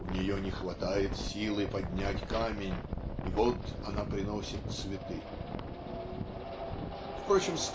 "У нее не хватает силы поднять камень - и вот она приносит цветы"?. Впрочем